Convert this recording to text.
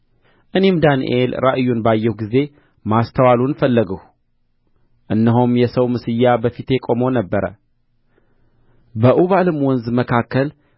እኔም ዳንኤል ራእዩን ባየሁ ጊዜ ማስተዋሉን ፈለግሁ እነሆም የሰው ምስያ በፊቴ ቆሞ ነበር በኡባልም ወንዝ መካከል